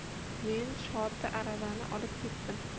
men shoti aravani olib ketdim